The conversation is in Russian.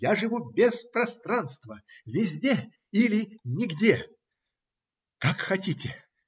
Я живу без пространства, везде или нигде, как хотите.